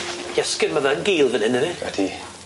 Iesgyn ma' fe yn gul fyn 'yn ydi! Ydi.